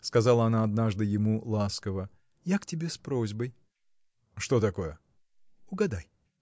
– сказала она однажды ему ласково, – я к тебе с просьбой. – Что такое? – Угадай.